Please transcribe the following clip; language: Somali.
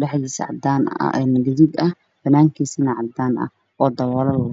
dhexdiisu guuduu tahy banaankiisuna yahay